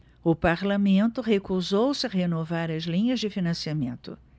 o parlamento recusou-se a renovar as linhas de financiamento